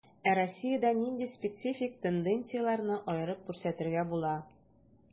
Ә Россиядә нинди специфик тенденцияләрне аерып күрсәтергә була?